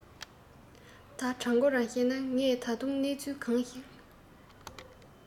ད དྲང གོ རང གཤས ན ངས ད དུང གནས ཚུལ གང ཞིག